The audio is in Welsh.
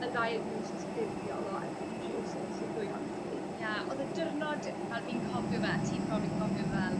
y ddiagnosis ffurfiol o endometriosis i'r ddwy ohonoch chi? Ia o'dd y dirnod fel fi'n cofio fe ti probly'n cofio fel